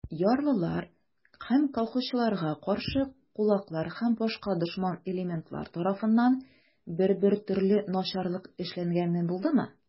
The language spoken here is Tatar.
Ярлылар һәм колхозчыларга каршы кулаклар һәм башка дошман элементлар тарафыннан бер-бер төрле начарлык эшләнгәне булдымы?